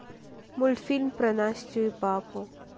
мультфильм про настю и папу